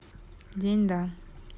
день да